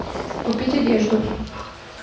купить одежду